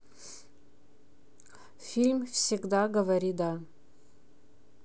фильм всегда говори да